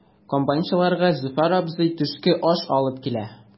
Комбайнчыларга Зөфәр абзый төшке аш алып килә.